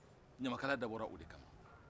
ɲamakaya dabɔra o de kama